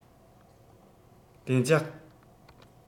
བདེ འཇགས